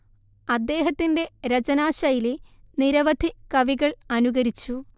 അദ്ദേഹത്തിന്റെ രചനാശൈലി നിരവധി കവികൾ അനുകരിച്ചു